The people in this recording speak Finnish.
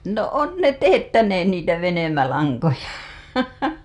no on ne teettäneet niitä venymälankoja